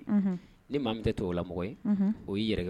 Ni maamu tɛ to o lamɔgɔ ye o yɛrɛ